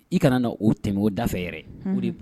I kana na o tɛmɛ o da fɛ yɛrɛ